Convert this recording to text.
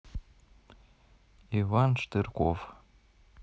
иван штырков